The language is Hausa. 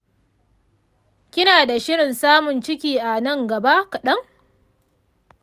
kina da shirin samun ciki a nan gaba kaɗan?